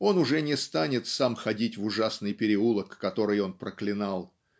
он уже не станет сам ходить в ужасный переулок который он проклинал